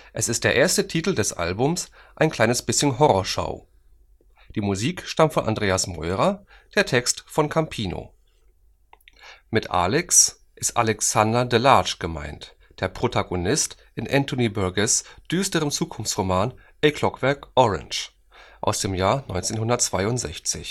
Es ist der erste Titel des Albums Ein kleines bisschen Horrorschau. Die Musik stammt von Andreas Meurer, der Text von Campino. Mit Alex ist Alexander Delarge gemeint, der Protagonist in Anthony Burgess ' düsterem Zukunftsroman A Clockwork Orange aus dem Jahr 1962